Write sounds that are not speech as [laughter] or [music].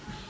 [hesitation]